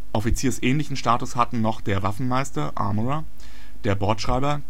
Offiziersähnlichen Status hatten noch der Waffenmeister (Armourer), der Bordschreiber